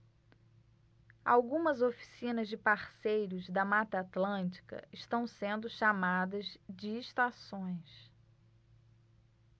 algumas oficinas de parceiros da mata atlântica estão sendo chamadas de estações